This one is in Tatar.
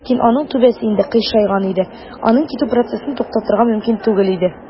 Ләкин аның түбәсе инде "кыйшайган" иде, аның китү процессын туктатырга мөмкин түгел иде.